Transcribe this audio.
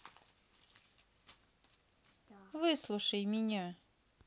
выслушай меня